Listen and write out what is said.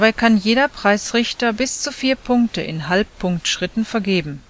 kann jeder Preisrichter bis zu vier Punkte in Halbpunktschritten vergeben